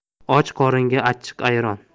och qoringa achchiq ayron